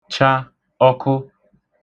cha ọkụ